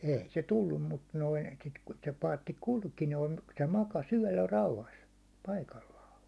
ei se tullut mutta noin sitten kun se paatti kulki noin se makasi yöllä rauhassa paikallaan